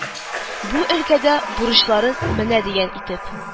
Бу өлкәдә бурычларын менә дигән итеп